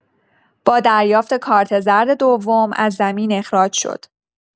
با دریافت کارت زرد دوم از زمین اخراج شد